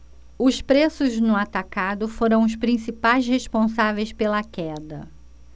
os preços no atacado foram os principais responsáveis pela queda